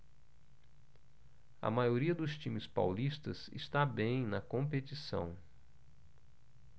a maioria dos times paulistas está bem na competição